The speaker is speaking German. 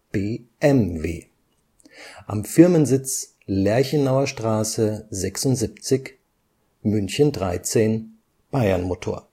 BMW, am Firmensitz Lerchenauer Straße 76, München 13 – Bayernmotor